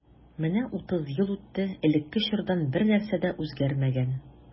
Менә утыз ел үтте, элекке чордан бернәрсә дә үзгәрмәгән.